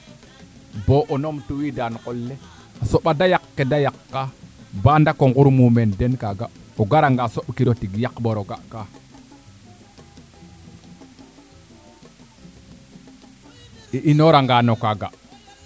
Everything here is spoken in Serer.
bo o num tiwida qole a soɓa de yaq kede yaqa ba ndako ŋur meen den kaga o gara nga soɓ kiro maaaga tig yaq ɓor o soɓ ka i inoora nga no kaaga